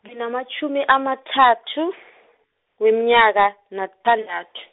nginamatjhumi amathathu, weminyaka, naku thandathu.